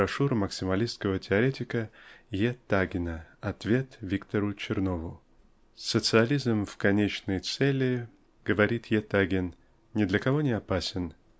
брошюру максималистского теоретика Е. Тагина "Ответ Виктору Чернову"). "Социализм в конечной цели -- говорит Е. Тагин -- ни для кого не опасен.